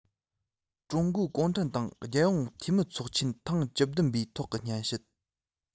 ཀྲུང གོའི གུང ཁྲན ཏང གི རྒྱལ ཡོངས འཐུས མིའི ཚོགས ཆེན ཐེངས བཅུ བདུན པའི ཐོག གི སྙན ཞུ